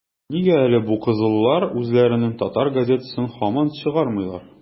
- нигә әле бу кызыллар үзләренең татар газетасын һаман чыгармыйлар?